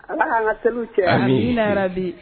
Ala anan ka selieli cɛ na bi